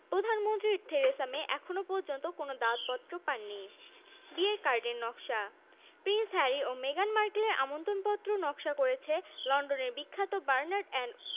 ১৯ May মেগান মার্কেলের বিয়ের আসরে না আসা পর্যন্ত তাঁর বিয়ের পোশাক সম্পর্কে নিশ্চিত কোনো তথ্য দেওয়া যাচ্ছে না তবে চারদিকে যে গুঞ্জন ভেসে বেড়াচ্ছে তার ওপর ধারণা করে বলা যায়